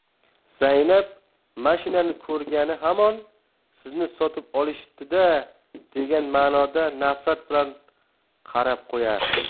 zaynab mashinani ko'rgani hamon sizni sotib olishibdi da degan ma'noda nafrat bilan qarab qo'yar